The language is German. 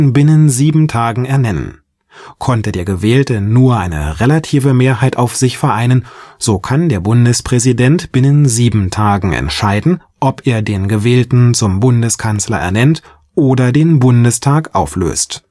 binnen sieben Tagen ernennen. Konnte der Gewählte nur eine relative Mehrheit auf sich vereinen, so kann der Bundespräsident binnen sieben Tagen entscheiden, ob er den Gewählten zum Bundeskanzler ernennt oder den Bundestag auflöst